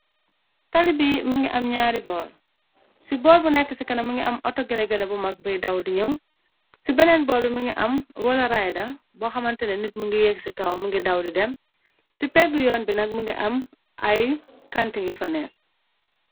Tali bi mi ngi am ñaari boor ci boor bu nekk ci kana mi ngi am otogelegela bu mag bu daw di ñëw ci beneen boor bi mi ngi am rola rida bo xamantene nit mingi yegg ci kaw mi ngi daw di dem ci pegg yoon bi nag mi ngi am ay kantingi faneex.